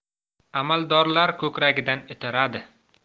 amaldorlar ko'kragidan itaradi